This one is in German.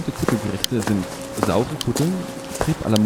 Kuttelgerichte sind Saure Kutteln, Tripes à la mode de Caen, Trippa alla